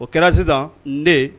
O kɛra sisan n den